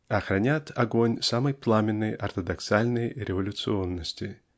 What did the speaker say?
а хранят огонь самой пламенной ортодоксальной революционности.